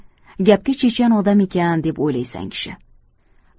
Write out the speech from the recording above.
gapga chechan odam ekan deb o'ylaysan kishi